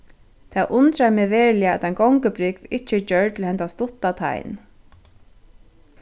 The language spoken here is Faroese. tað undrar meg veruliga at ein gongubrúgv ikki er gjørd til hendan stutta tein